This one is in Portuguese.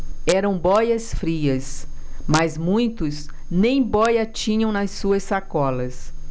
eram bóias-frias mas muitos nem bóia tinham nas suas sacolas